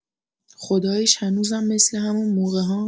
خداییش هنوزم مثل همون موقع‌هام!؟